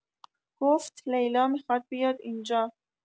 گفت لیلا میخواد بیاد اینجا